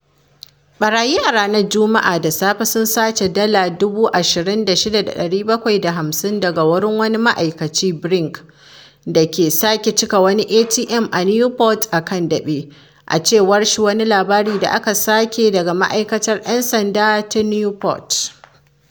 Ɓarayi a ranar Juma’a da safe sun sace dala 26,750 daga wurin wani ma’aikacin Brink da ke sake cika wani ATM a Newport a kan Daɓe, a cewar wani labari da aka sake daga Ma’aikatar ‘Yan Sanda ta Newport.